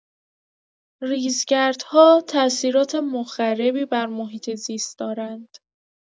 ریزگردها تاثیرات مخربی بر محیط‌زیست دارند.